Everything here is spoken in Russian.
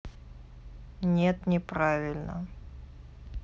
нет не правильно